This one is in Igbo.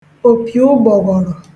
òpìụgbọ̀ghọ̀rọ̀